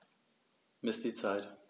Miss die Zeit.